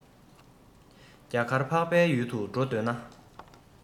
རྒྱ གར འཕགས པའི ཡུལ དུ འགྲོ འདོད ན